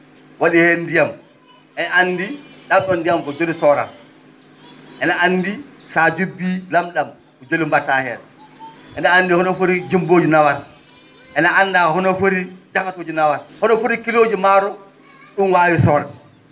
wa?i heen ndiyam e anndi ?am ?on ndiayam ko jelu soorata ene anndi so a jubbii lam?am jelu mba?ataa heen ene anndi hono foti jumbooji nawata ene annda hono foti jahatuuji nawata hono foti kilooji maaro ?um waawi soorde